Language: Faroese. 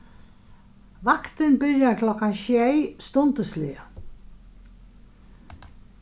vaktin byrjar klokkan sjey stundisliga